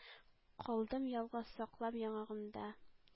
Калдым ялгыз, саклап яңагымда